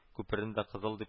Күперне дә кызыл дип